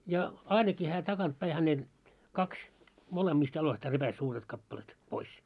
ja ainakin hän takaa päin häneltä kaksi molemmista jaloistaan repäisi suuret kappaleet pois